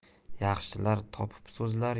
yaxshilar topib so'zlar